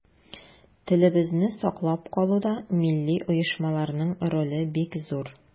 Телебезне саклап калуда милли оешмаларның роле бик зур.